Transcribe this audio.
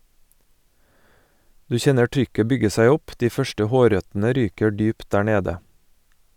Du kjenner trykket bygge seg opp, de første hårrøttene ryker dypt der nede.